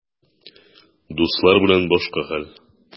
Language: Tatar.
Дуслар белән башка хәл.